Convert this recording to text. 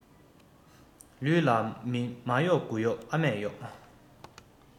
ལུས ལ མ གཡོགས དགུ གཡོགས ཨ མས གཡོགས